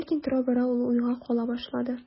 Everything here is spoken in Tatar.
Ләкин тора-бара ул уйга кала башлады.